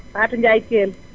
Fatou Ndiaye Kell